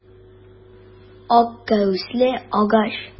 Ак кәүсәле агач.